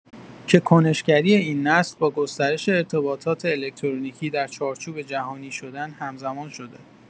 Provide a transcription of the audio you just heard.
که کنش‌گری این نسل با گسترش ارتباطات الکترونیکی در چارچوب جهانی‌شدن همزمان شده